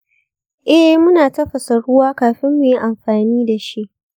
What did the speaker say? eh, muna tafasa ruwa kafin mu yi amfani da shi.